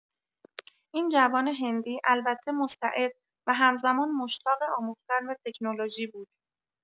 این جوان هندی البته مستعد و همزمان مشتاق آموختن و تکنولوژی بود.